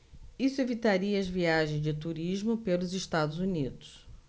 isso evitaria as viagens de turismo pelos estados unidos